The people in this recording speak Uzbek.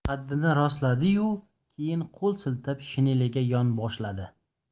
qaddini rostladi yu keyin qo'l siltab shineliga yonboshladi